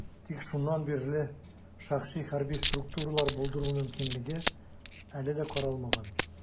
Тик шуннан бирле шәхси хәрби структуралар булдыру мөмкинлеге әле дә каралмаган.